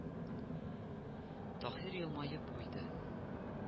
Таһир елмаеп куйды